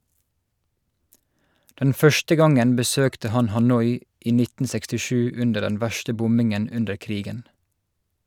Den første gangen besøkte han Hanoi i 1967 under den verste bombingen under krigen.